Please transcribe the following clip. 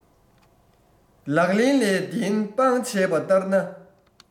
ལག ལེན ལས བདེན དཔང བྱས པ ལྟར ན